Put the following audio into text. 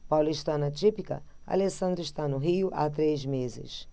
paulistana típica alessandra está no rio há três meses